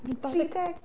'Di 30?